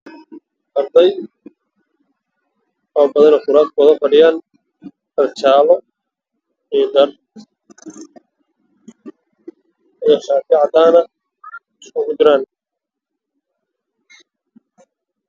Waxaa iga muuqda arday oo kuraas ku fadhiyaan waxayna wataan dharjaalo iyo caddaan ah